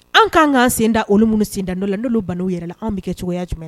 An k ka kanan ka senda oluunu senda dɔ la n' balo yɛrɛ la anw bɛ kɛ cogoyaya jumɛn na